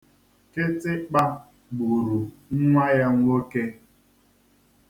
Kịtịkpa gburu nwa ya nwoke